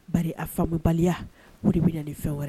Ba a fabaliya o de bɛ nin fɛn wɛrɛ